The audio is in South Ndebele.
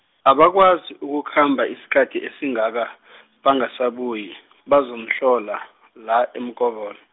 abakwazi ukukhamba isikhathi esingaka , bangasabuyi, bazomhlola, la, eMkobolo.